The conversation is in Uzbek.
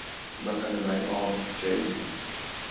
biqinidagi og'riq kuchaydi